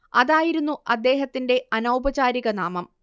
അതായിരുന്നു അദ്ദേഹത്തിന്റെ അനൗപചാരികനാമം